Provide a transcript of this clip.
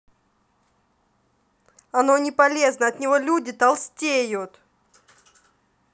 оно не полезно от него люди толстеют